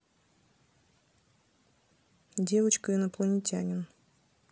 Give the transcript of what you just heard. девочка инопланетянин